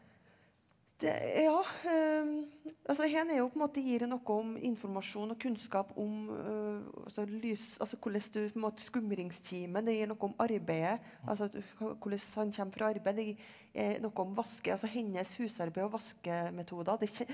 det ja altså dette er jo på en måte gir jeg noe om informasjon og kunnskap om altså lys altså hvordan du på en måte skumringstimen det gir noe om arbeidet altså hvordan han kom fra arbeidet noe om altså hennes husarbeid og vaskemetoder det.